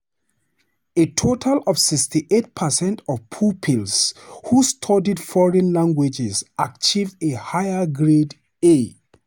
A total of 68 per cent of pupils who studied foreign languages achieved a Higher grade A.